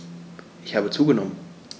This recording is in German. Ich habe zugenommen.